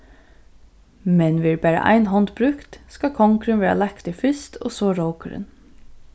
men verður bara ein hond brúkt skal kongurin verða leiktur fyrst og so rókurin